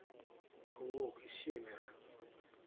волк и семеро